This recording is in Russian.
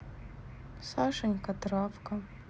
сашенька травка